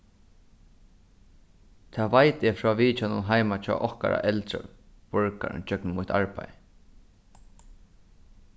tað veit eg frá vitjanum heima hjá okkara eldri borgarum gjøgnum mítt arbeiði